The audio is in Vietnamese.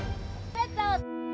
hết giờ